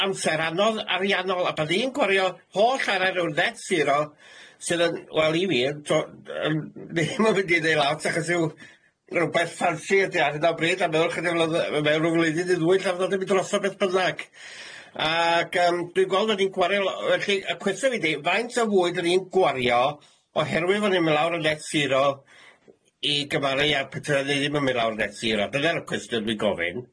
amser anodd ariannol a bydd i'n gwario holl arna ryw net siro sydd yn wel i fi yn t'o' yn ddim yn mynd i neu' lawr tachos yw rwbeth ffansi ydi ar hyn o bryd a meddwl chydig mlodd yy ma' mewn ryw flwyddyn i ddwy ella fydd o 'di mynd drosodd beth bynnag ag yym dwi'n gweld 'da i'n gwario lo- felly yy cwestiwn ydi faint o fwy 'da ni'n gwario oherwydd fo' ni'n myn lawr y net siro i gymaru a'r pete ni ddim yn myn lawr net siro dyna'r cwestiwn dwi gofyn.